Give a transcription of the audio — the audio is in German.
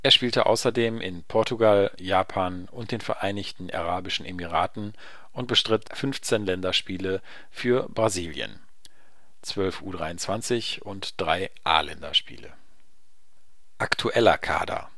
spielte außerdem in Portugal, Japan und den Vereinigten Arabischen Emiraten und bestritt 15 Länderspiele für Brasilien (12 U-23 -, 3 A-Länderspiele). Aktueller Kader